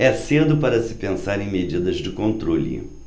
é cedo para se pensar em medidas de controle